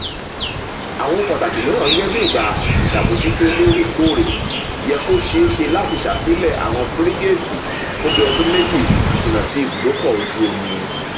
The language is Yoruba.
Àwọn ohun pàtàkì mìràn gẹ́gẹ́bí ìgbà ìṣàbójútó lóòrèkóòrè - p yẹ kó ṣeéṣe láti ṣàfillẹ̀ awọn fírígéètì fún bí ọdún méjì jìnnà sí ìbúdó \kọ ojú omi.